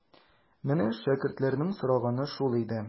Менә шәкертләрнең сораганы шул иде.